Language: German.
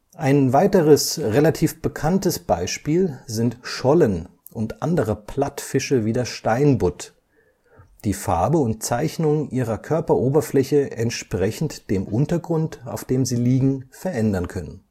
Ein weiteres relativ bekanntes Beispiel sind Schollen und andere Plattfische wie der Steinbutt, die Farbe und Zeichnung ihrer Körperoberfläche entsprechend dem Untergrund, auf dem sie liegen, verändern können